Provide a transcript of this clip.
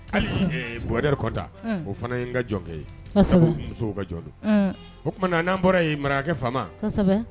Ayi boɛta o fana ye ka jɔnkɛ ye musow ka jɔn o tuma n'an bɔra marakakɛ faama